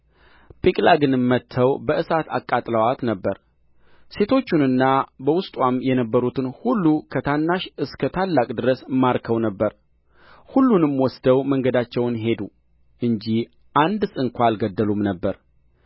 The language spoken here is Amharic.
ጺቅላግንም መትተው በእሳት አቃጥለዋት ነበር ሴቶቹንና በውስጥዋም የነበሩትን ሁሉ ከታናሽ እስከ ታላቅ ድረስ ማርከው ነበር ሁሉንም ወስደው መንገዳቸውን ሄዱ እንጂ አንድስ እንኳ አልገደሉም ነበር